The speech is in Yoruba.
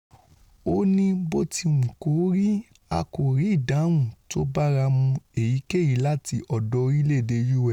O ni ''Botiwukori, a kòrí ìdáhùn tóbáramu èyíkeyìí láti ọ̀dọ̀ orílẹ̀-èdè U.S.,'' .